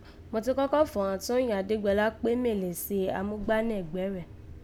Mo ti kọ́kọ́ fọ̀ ghan Tóyìn Adégbọlá kpé mé lè se amúgbánẹ̀gbẹ́ rẹ̀